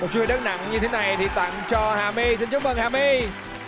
và chú heo đất nặng như thế này thì tặng cho hà my xin chúc mừng hà my